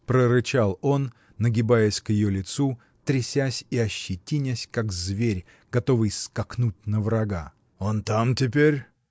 — прорычал он, нагибаясь к ее лицу, трясясь и ощетинясь, как зверь, готовый скакнуть на врага. — Он там теперь?